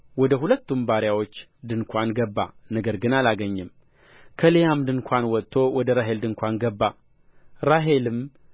ወደ ሁለቱም ባሪያዎች ድንኳን ገባ ነገር ግን አላገኘም ከልያም ድንኳን ወጥቶ ወደ ራሔል ድንኳን ገባ ራሔልም